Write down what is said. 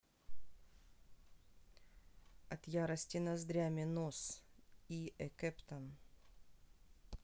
от ярости ноздрями нос и a captain